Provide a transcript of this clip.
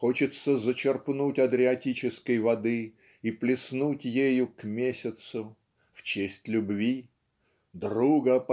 хочется "зачерпнуть адриатической воды и плеснуть ею к месяцу в честь любви друга